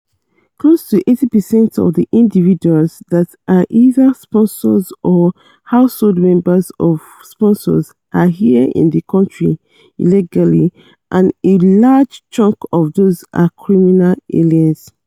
"Close to 80 percent of the individuals that are either sponsors or household members of sponsors are here in the country illegally, and a large chunk of those are criminal aliens.